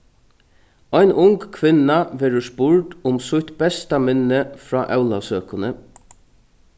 ein ung kvinna verður spurd um sítt besta minni frá ólavsøkuni